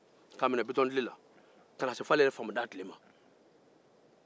k'a minɛ bitɔntile la fo ka na se ale yɛrɛ da tile ma